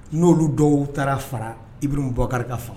N'olu dɔw taara fara i bɛ bɔkari ka faga